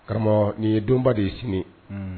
Karamɔgɔ nin ye denba de ye sini